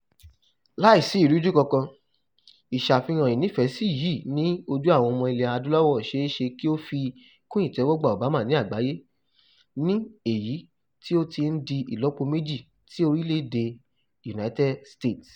Láìsí ìrújú kankan, ìsàfihàn ìnífẹ̀ẹ́sí yìí ní ojú àwọn ọmọ Ilẹ̀ Adúláwò ṣeéṣe kí ó fi kún ìtẹ́wọ́gbà Obama lágbàáyé, ní èyí tí ó ti ń di ìlọ́po méjì ti orílẹ̀ èdè United States.